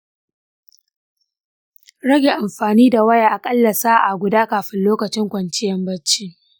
rage amfani da waya aƙalla sa'a guda kafin lokacin kwanciya barci.